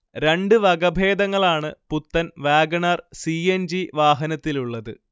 രണ്ട് വകഭേദങ്ങളാണ് പുത്തൻ Wagon R. C. N. G വാഹനത്തിലുള്ളത്